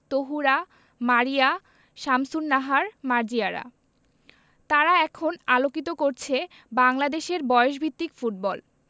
তহুরা মারিয়া শামসুন্নাহার মার্জিয়ারা তারা এখন আলোকিত করছে বাংলাদেশের বয়সভিত্তিক ফুটবল